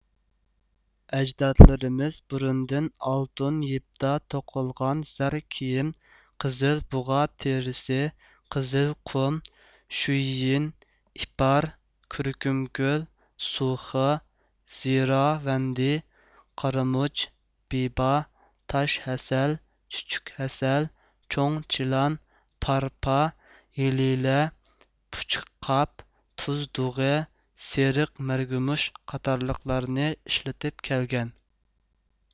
ئەجدادلىرىمىز بۇرۇندىن ئالتۇن يىپتا توقۇلغان زەر كىيىم قىزىل بۇغا تېرىسى قىزىل قۇم شۈييىن ئىپار كۈركۈم گۈل سۇخې زىراۋەندى قارامۇچ بىبا تاش ھەسەل چۈچۈك ھەسەل چوڭ چىلان پارپا ھېلىلە پۈچۈك قاپ تۈز دۇغى سېرىق مەرگىمۇش قاتارلىقلارنى ئىشلىتىپ كەلگەن